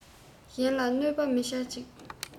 གཞན ལ གནོད པ མ བྱེད ཅིག